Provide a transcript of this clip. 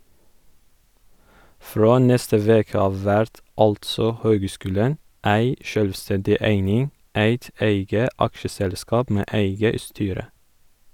Frå neste veke av vert altså høgskulen ei sjølvstendig eining, eit eige aksjeselskap med eige styre.